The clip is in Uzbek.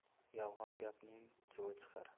yolg'on gapning chuvi chiqar